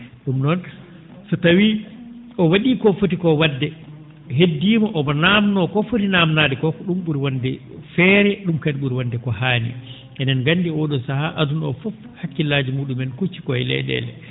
?um noon so tawii o wa?ii ko foti koo wa?de heddiima omo naamndo ko foti naamndaade koo ko ?um ?uri wonde feere ?um kadi ?uri wonde ko haani enen nganndi oo ?oo sahaa aduna oo fof hakkillaaji muu?umen kucci koye ley?eele